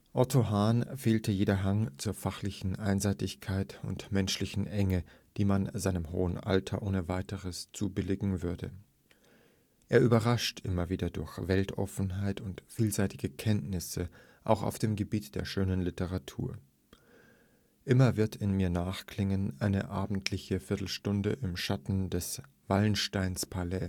Otto Hahn fehlte jeder Hang zur fachlichen Einseitigkeit und menschlichen Enge, die man seinem hohen Alter ohne weiteres zubilligen würde. Er überrascht immer wieder durch Weltoffenheit und vielseitige Kenntnisse auch auf dem Gebiet der schönen Literatur. Immer wird in mir nachklingen eine abendliche Viertelstunde im Schatten des Wallensteinpalais